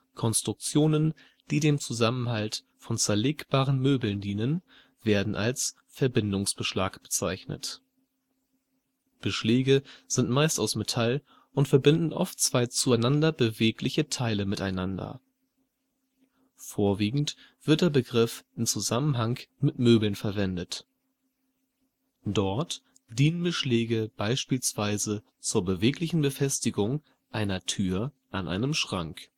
Konstruktionen, die dem Zusammenhalt von zerlegbaren Möbeln dienen, werden als Verbindungsbeschlag bezeichnet. Beschläge sind meist aus Metall und verbinden oft zwei zueinander bewegliche Teile miteinander. Vorwiegend wird der Begriff in Zusammenhang mit Möbeln verwendet. Dort dienen Beschläge beispielsweise zur beweglichen Befestigung einer Tür an einem Schrank